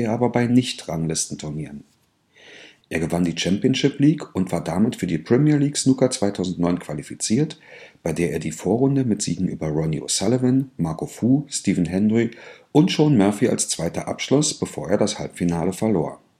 aber bei Nicht-Ranglistenturnieren: Er gewann die Championship League und war damit für die Premier League Snooker 2009 qualifiziert, bei der er die Vorrunde mit Siegen über Ronnie O’ Sullivan, Marco Fu, Stephen Hendry und Shaun Murphy als zweiter abschloss, bevor er das Halbfinale verlor